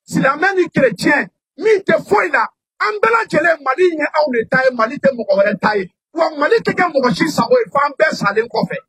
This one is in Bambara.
Silamɛ ni ke tiɲɛ min tɛ foyi la an bɛɛ lajɛlen mali ye aw de ta ye mali tɛ mɔgɔ wɛrɛ ta ye mali tɛ kɛ mɔgɔ si sago' an bɛɛ salen kɔfɛ